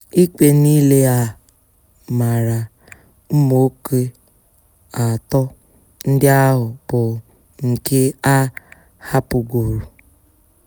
Ịkpe niile a maara ụmụ nwoke atọ ndị ahụ bụ nke a hapụgoru.